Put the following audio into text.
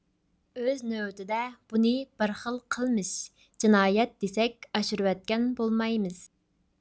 ئۆز نۆۋىتىدە بۇنى بىر خىل قىلمىش جىنايەت دېسەك ئاشۇرۇۋەتكەن بولمايمىز